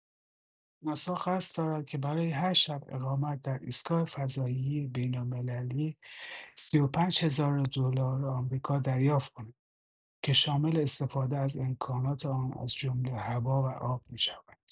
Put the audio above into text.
ناسا قصد دارد که برای هر شب اقامت در ایستگاه فضایی بین‌المللی، ۳۵ هزار دلار آمریکا دریافت کند که شامل استفاده از امکانات آن از جمله هوا و آب می‌شود.